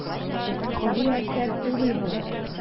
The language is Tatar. Гади әсәр түгел бу.